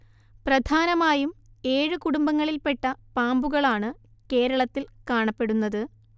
പ്രധാനമായും ഏഴ് കുടുംബങ്ങളിൽപ്പെട്ട പാമ്പുകളാണ് കേരളത്തിൽ കാണപ്പെടുന്നത്